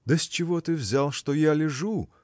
-- Да с чего ты взял, что я лежу?